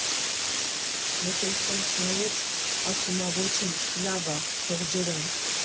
Մեկ էլ սենց նայեց, ասում ա՝ «Ոչինչ, լավ ա, թող ջրեն»։